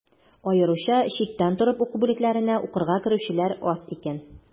Аеруча читтән торып уку бүлекләренә укырга керүчеләр аз икән.